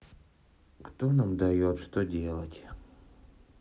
кто нам дает что делать